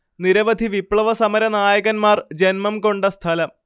നിരവധി വിപ്ലവ സമരനായകന്മാർ ജന്മം കൊണ്ട സ്ഥലം